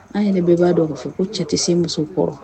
N' yɛrɛ bɛɛ b'a dɔn b'a fɔ ko cɛ tɛ se muso kɔrɔ